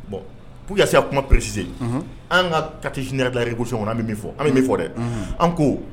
Bon pour que ka se ka kuma presicer unhun, an ka carte générale de la révolution kɔnɔ, anw bɛ min fɔ, unhun, an bɛ min fɔ dɛ, unhun, anw ko